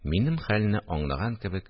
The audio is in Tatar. Минем хәлне аңлаган кебек